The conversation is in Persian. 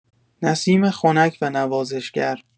نسیم خنک و نوازشگر